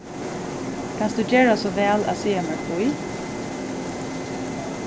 kanst tú gera so væl at siga mær hví